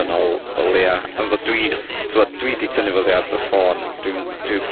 yn ôl o leia, ond fe- dw i t'mod, dwi 'di tynnu fo oddi ar fy ffôn. Dwi'n dwi...